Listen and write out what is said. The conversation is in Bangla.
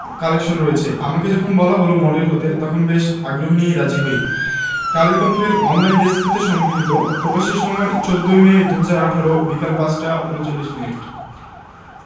কালেকশন রয়েছে আমাকে যখন বলা হলো মডেল হতে তখন বেশ আগ্রহ নিয়েই রাজি হই কালের কণ্ঠ এর অনলাইন ডেস্ক হতে সংগৃহীত প্রকাশের সময় ১৪মে ২০১৮ বিকেল ৫টা ৩৯ মিনিট